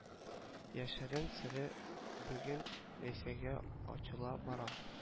Яшерен сере бүген рәйсәгә ачыла бара